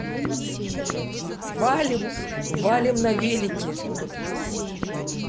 валим валим на велике